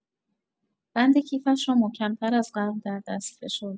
بند کیفش را محکم‌تر از قبل در دست فشرد.